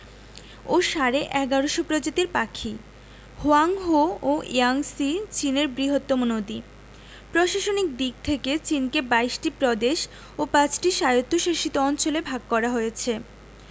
ও সাড়ে ১১শ প্রজাতির পাখি হোয়াংহো ও ইয়াংসি চীনের বৃহত্তম নদী প্রশাসনিক দিক থেকে চিনকে ২২ টি প্রদেশ ও ৫ টি স্বায়ত্তশাসিত অঞ্চলে ভাগ করা হয়েছে